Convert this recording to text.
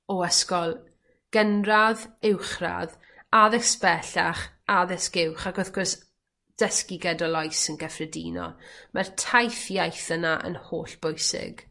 o ysgol gynradd uwchradd addysg bellach, addysg uwch, ac wrth gwrs dysgu gydol oes yn gyffredinol mae'r taith iaith yna yn hollbwysig.